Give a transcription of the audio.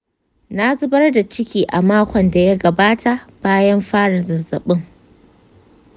na zubar da ciki a makon da ya gabata bayan fara zazzabin.